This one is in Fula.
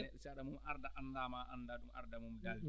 eeyi saɗa arda anndaama a anndaa ɗum arda mum dalde